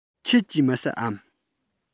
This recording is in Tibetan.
ཁྱེད ཀྱིས མི ཟ འམ